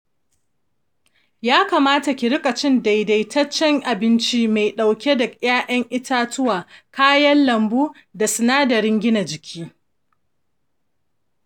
ya kamata ki riƙa cin daidaitaccen abinci mai ɗauke da ‘ya’yan itatuwa, kayan lambu, da sinadaran gina jiki.